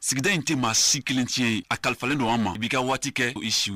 Sigida in tɛ maa si kelen tiɲɛ ye a kalifalen don an ma bi'i ka waati kɛ o ye si